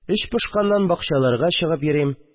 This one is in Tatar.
Эч пошканнан бакчаларга чыгып йөрим